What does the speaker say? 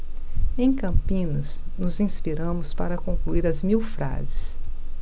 em campinas nos inspiramos para concluir as mil frases